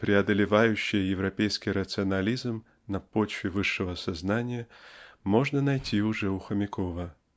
преодолевающие европейский рационализм на почве высшего сознания можно найти уже у Хомякова.